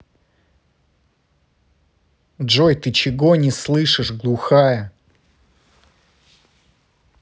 джой ты чего не слышишь глухая